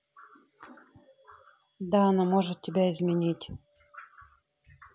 да она может тебя изменить